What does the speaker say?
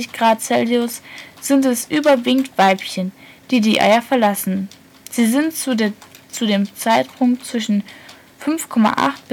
Grad Celsius sind es überwiegend Weibchen, die die Eier verlassen. Sie sind zu diesem Zeitpunkt zwischen 5,8